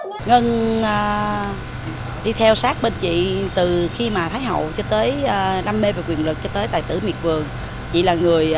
ngân nga đi theo sát bên chị từ khi mà thái hậu cho tới đam mê và quyền lực cho tới tài tử miệt vườn chị là người